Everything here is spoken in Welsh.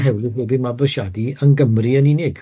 ...o hewlydd wedi mabwysiadu yn Gymru yn unig.